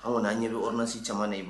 Anw an ɲɛ bɛ oɔrɔnsi caman de ye